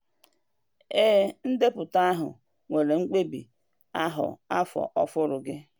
Ee, ndepụta ahụ nwéré Mkpebi Afọ Ọhụrụ gị